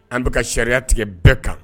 An bɛka ka sariya tigɛ bɛɛ kan